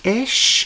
Ish?